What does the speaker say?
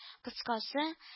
Кыскасы